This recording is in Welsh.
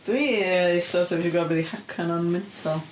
Dwi sort of isio gwybod be 'di Haka na'n mental.